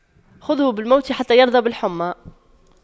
خُذْهُ بالموت حتى يرضى بالحُمَّى